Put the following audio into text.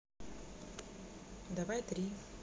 давай три